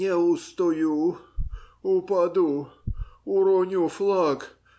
"Не устою, упаду, уроню флаг